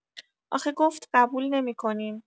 آخه گفت قبول نمی‌کنیم